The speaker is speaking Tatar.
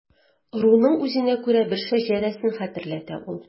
Ыруның үзенә күрә бер шәҗәрәсен хәтерләтә ул.